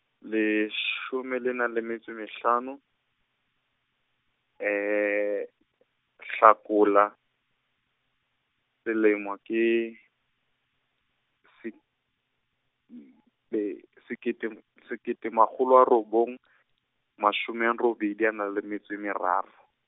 leshome le nang le metso e mehlano, Hlakola, selemo ke, seb- -be-, sekete, sekete makgolo a robong , mashome a robedi a metso e meraro.